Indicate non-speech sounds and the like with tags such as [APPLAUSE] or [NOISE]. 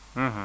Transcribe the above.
[HESITATION] [HESITATION]